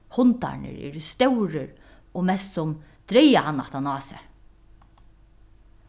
hundarnir eru stórir og mestsum draga hann aftan á sær